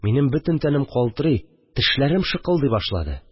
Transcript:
Минем бөтен тәнем калтырый, тешләрем шыкылдый башлады